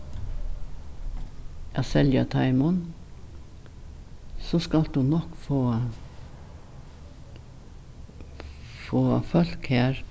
at selja teimum so skalt tú nokk fáa fáa fólk har